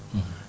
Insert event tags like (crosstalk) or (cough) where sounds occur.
(hesitation) (hesitation)